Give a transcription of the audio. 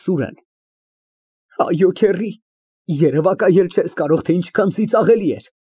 ՍՈՒՐԵՆ ֊ Այո, քեռի, երևակայել չես կարող ինչքան ծիծաղելի էր։